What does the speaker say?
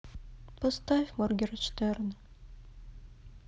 поставь моргенштерна